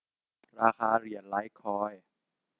ราคาเหรียญไลท์คอยน์